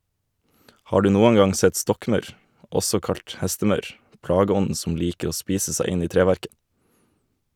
Har du noen gang sett stokkmaur, også kalt hestemaur , plageånden som liker å spise seg inn i treverket?